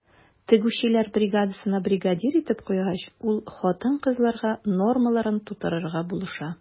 Тегүчеләр бригадасына бригадир итеп куйгач, ул хатын-кызларга нормаларын тутырырга булыша.